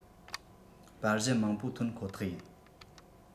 པར གཞི མང པོ ཐོན ཁོ ཐག ཡིན